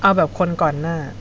เอาแบบคนก่อนหน้า